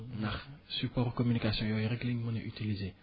ndax support communication yooyu rekk la ñu mën a utiliser